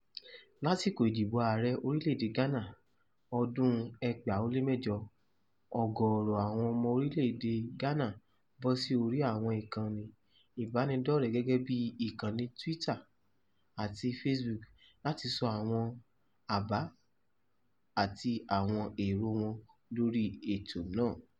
Lásìkò ìdìbò Ààrẹ orílẹ̀-èdè Ghana ọdún 2008,ọ̀gọ̀ọ̀rọ̀ àwọn ọmọ orílẹ̀ èdè Ghana bọ́ sí orí àwọn ìkànnì ìbáraẹnidọ́rẹ̀ẹ́ gẹ́gẹ́ bí ìkànnì Twitter àti Facebook láti sọ àwọn àbá àti àwọn èrò wọn lórí ètò náà.